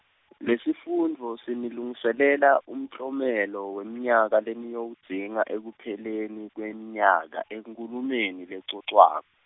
lesifundvo sinilungiselela umklomelo wemnyaka leniyowudzinga ekupheleni kwemnyaka, enkhulumeni lecocwa.